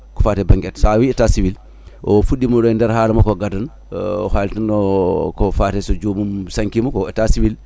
ko fate banggue ét sa wi état civil o fuɗɗima e nder haala makko gadana o haali no ko fate so jomum sankima ko état civil